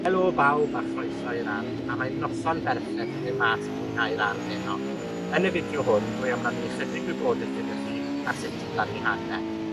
Helo bawb, a chroeso i'r ardd, a mae'n noson berffeth i fyn' mas i mwynhau'r ardd heno. Yn y fideo hwn, rwy am rannu ychydig wybodeth gyda chi ar sut i blannu hade.